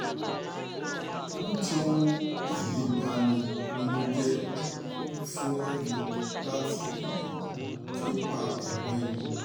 Ohun tí ó mú èyí bani nínú jẹ́ jù ni fún ẹni láti rí ikú tí ó pa ẹ̀gbọ́n ẹni.